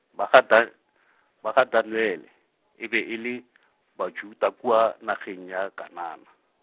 ba gaDa-, ba ga- Daniele, e be e le, Bajuda kua nageng ya Kanana.